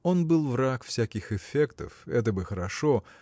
Он был враг всяких эффектов – это бы хорошо